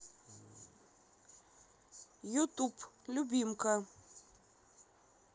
ютюб любимка